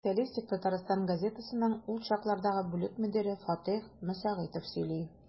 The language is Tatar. «социалистик татарстан» газетасының ул чаклардагы бүлек мөдире фатыйх мөсәгыйтов сөйли.